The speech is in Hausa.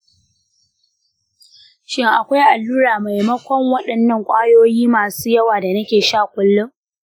shin akwai allura maimakon waɗannan kwayoyi masu yawa da nake sha kullum?